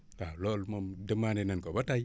waaw loolu moom demandé nañ ko ba tàyyi